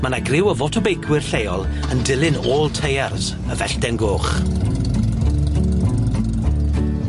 ma' 'na griw o fotobeicwyr lleol yn dilyn ôl teiers, y Fellden Goch.